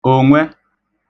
ònwẹ